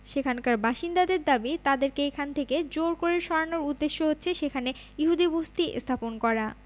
সেখানকার বাসিন্দাদের দাবি তাদেরকে এখান থেকে জোর করে সরানোর উদ্দেশ্য হচ্ছে সেখানে ইহুদি বসতি স্থাপন করা